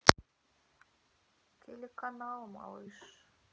телеканал малыш